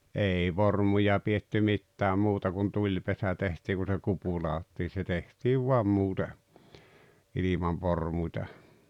ei vormuja pidetty mitään muuta kuin tulipesä tehtiin kun se kupu ladottiin se tehtiin vain muuten ilman vormua